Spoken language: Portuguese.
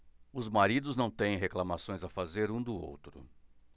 os maridos não têm reclamações a fazer um do outro